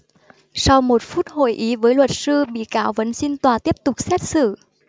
sau một phút hội ý với luật sư bị cáo vẫn xin tòa tiếp tục xét xử